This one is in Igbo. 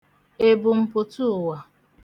èbùmpùtụụ̀wà